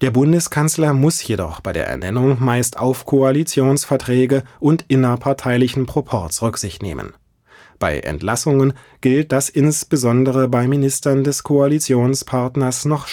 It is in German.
Bundeskanzler muss jedoch bei der Ernennung meist auf „ Koalitionsverträge “und innerparteilichen Proporz Rücksicht nehmen; bei Entlassungen gilt das insbesondere bei Ministern des Koalitionspartners noch